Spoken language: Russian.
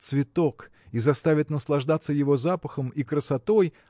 – цветок и заставит наслаждаться его запахом и красотой